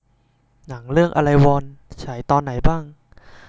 หนังเรื่องอะไรวอลฉายตอนไหนบ้าง